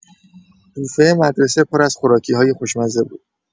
بوفه مدرسه پر از خوراکی‌های خوشمزه بود.